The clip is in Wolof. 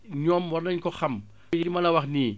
ñoom war nañu ko xam yi ma la wax nii